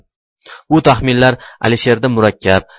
bu taxminlar alisherda murakkab